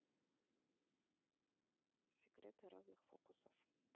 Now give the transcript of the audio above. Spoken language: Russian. секреты разных фокусов